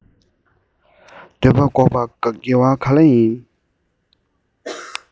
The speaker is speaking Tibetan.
འདོད པ འགོག པ དགེ བ ག ལ ཡིན